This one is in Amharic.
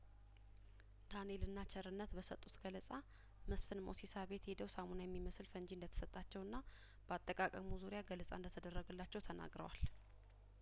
ዳንኤል እና ቸርነት በሰጡት ገለጻ መስፍን ሞሲሳ ቤት ሄደው ሳሙና የሚመስል ፈንጂ እንደተሰጣቸውና በአጠቃቀሙ ዙሪያ ገለጻ እንደተደረገላቸው ተናግረዋል